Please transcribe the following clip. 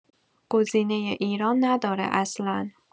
گزینۀ ایران نداره اصلا